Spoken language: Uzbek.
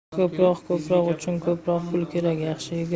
ko'proq ko'proq uchun ko'proq pul kerak yaxshi yigit